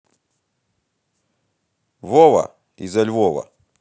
вова изо львова